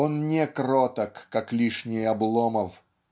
Он не кроток, как лишний Обломов